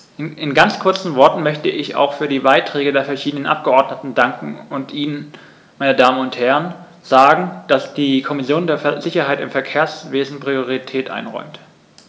In ganz kurzen Worten möchte ich auch für die Beiträge der verschiedenen Abgeordneten danken und Ihnen, meine Damen und Herren, sagen, dass die Kommission der Sicherheit im Verkehrswesen Priorität einräumt.